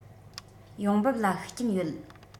ཡོང འབབ ལ ཤུགས རྐྱེན ཡོད